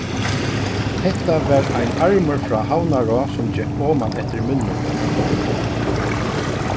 hetta var ein armur frá havnará sum gekk oman eftir mylnugøtu